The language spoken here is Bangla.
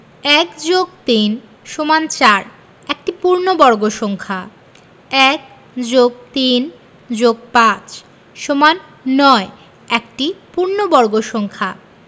১+৩=৪ একটি পূর্ণবর্গ সংখ্যা ১+৩+৫=৯ একটি পূর্ণবর্গ সংখ্যা